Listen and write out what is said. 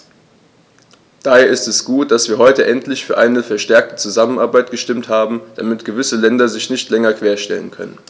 Daher ist es gut, dass wir heute endlich für eine verstärkte Zusammenarbeit gestimmt haben, damit gewisse Länder sich nicht länger querstellen können.